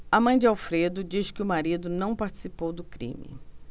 a mãe de alfredo diz que o marido não participou do crime